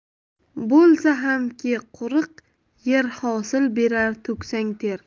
bo'lsa hamki qo'riq yer hosil berar to'ksang ter